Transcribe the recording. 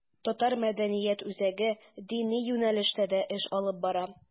Татар мәдәният үзәге дини юнәлештә дә эш алып бара.